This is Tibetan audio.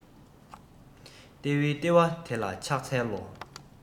ལྟེ བའི ལྟེ བ དེ ལ ཕྱག འཚལ ལོ